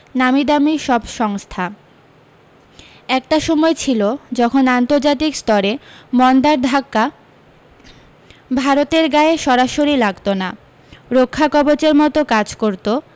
নামীদামী সব সংস্থা একটা সময় ছিল যখন আন্তর্জাতিক স্তরে মন্দার ধাক্কা ভারতের গায়ে সরাসরি লাগত না রক্ষাকবচের মত কাজ করত